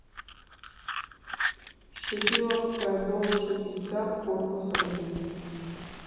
шипиловская дом шестьдесят корпус один